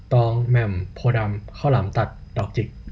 ตองแหม่มโพธิ์ดำข้าวหลามตัดดอกจิก